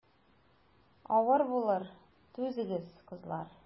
Авыр булыр, түзегез, кызлар.